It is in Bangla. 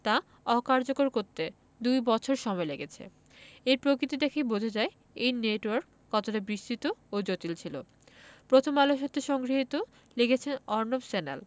তা অকার্যকর করতে দুই বছর সময় লেগেছে এর প্রকৃতি দেখেই বোঝা যায় এই নেটওয়ার্ক কতটা বিস্তৃত ও জটিল ছিল প্রথম আলো হতে সংগৃহীত লিখেছেন অর্ণব স্যান্যাল